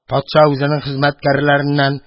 Патша үзенең хезмәткәрләреннән